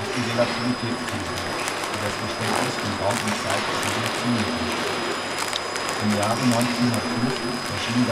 die Relativitätstheorie, die das Verständnis von Raum und Zeit revolutionierte. Im Jahre 1905 erschien